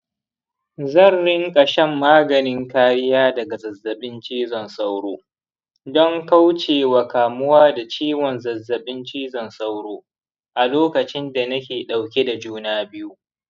zan rinka shan maganin kariya daga zazzaɓin cizon sauro don kauce wa kamuwa da ciwon zazzaɓin cizon sauro a lokacin da nake dauke da juna biyu.